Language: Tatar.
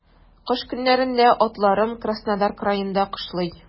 Кыш көннәрендә атларым Краснодар краенда кышлый.